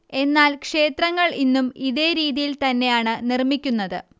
എന്നാൽ ക്ഷേത്രങ്ങള് ഇന്നും ഇതേ രീതിയില് തന്നെയാണ് നിര്മ്മിക്കുന്നത്